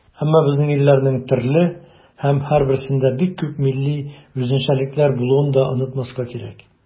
Әмма безнең илләрнең төрле һәм һәрберсендә бик күп милли үзенчәлекләр булуын да онытмаска кирәк.